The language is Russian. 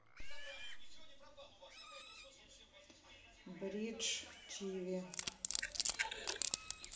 бридж тиви